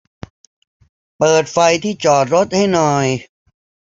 เปิดไฟที่จอดรถให้หน่อย